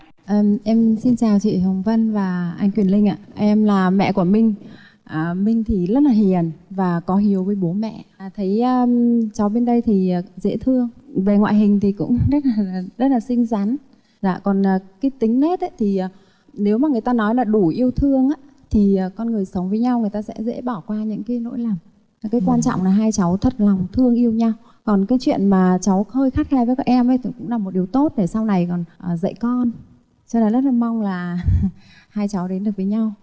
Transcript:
ừm em xin chào chị hồng vân và anh quyền linh ạ em là mẹ của minh a minh thì rất là hiền và có hiếu với bố mẹ thấy cháu bên đây thì dễ thương về ngoại hình thì cũng rất là rất là xinh xắn dạ còn cái tính nết á thì nếu mà người ta nói là đủ yêu thương á thì con người sống với nhau người ta sẽ dễ bỏ qua những cái lỗi lầm và cái quan trọng là hai cháu thật lòng thương yêu nhau còn cái chuyện mà cháu hơi khắt khe với các em ấy thì cũng là một điều tốt để sau này còn dạy con cho nên rất là mong là hai cháu đến được với nhau